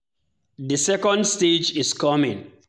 The second stage is coming.